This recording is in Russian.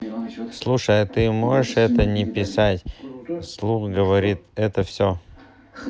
слушай а ты можешь это не писать вслух говорить это все